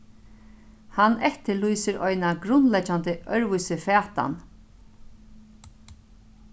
hann eftirlýsir eina grundleggjandi øðrvísi fatan